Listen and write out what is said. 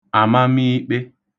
àmamiikpe